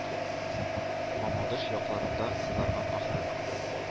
Мамадыш якларында кызарган, ахры.